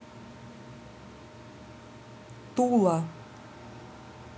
тула